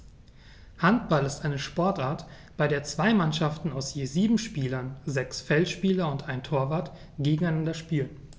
Handball ist eine Sportart, bei der zwei Mannschaften aus je sieben Spielern (sechs Feldspieler und ein Torwart) gegeneinander spielen.